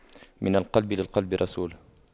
من القلب للقلب رسول